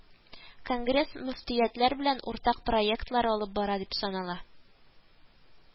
Конгресс мөфтиятләр белән уртак проектлар алып бара дип санала